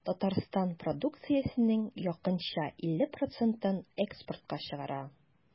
Татарстан продукциясенең якынча 50 процентын экспортка чыгара.